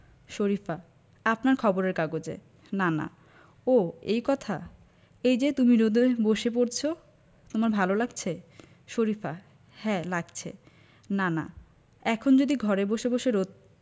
শরিফা আপনার খবরের কাগজে নানা ও এই কথা এই যে তুমি রোদে বসে পড়ছ তোমার ভালো লাগছে শরিফা হ্যাঁ লাগছে নানা এখন যদি ঘরে বসে বসে রোদ